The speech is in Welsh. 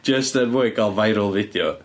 Jyst er mwyn cael viral video.